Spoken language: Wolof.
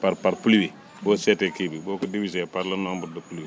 par par pluie boo seetee kii bi boo ko diviser par le nobre de pluie